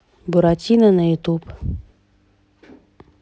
буратино на ютуб